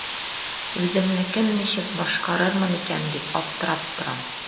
Үземнекен ничек башкарырмын икән дип аптырап торам.